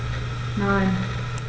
Nein.